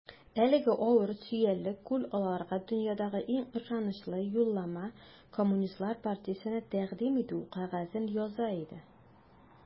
Әлеге авыр, сөялле кул аларга дөньядагы иң ышанычлы юллама - Коммунистлар партиясенә тәкъдим итү кәгазен яза иде.